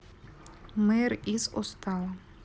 мейр из устала